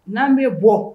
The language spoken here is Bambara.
N'an bɛ bɔ